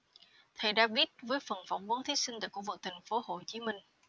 thầy david với phần phỏng vấn thí sinh tại khu vực thành phố hồ chí minh